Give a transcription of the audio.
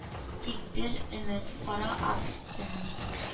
Тик бер өмит: кара август төне